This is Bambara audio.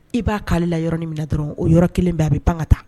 I b'a k'ale la yɔrɔin min dɔrɔn o yɔrɔ kelen bɛ a bɛ pan ka taa